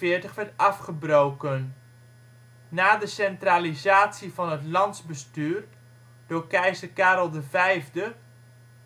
1543 werd afgebroken. Na de centralisatie van het landsbestuur door keizer Karel V